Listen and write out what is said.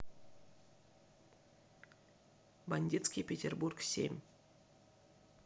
бандитский петербург семь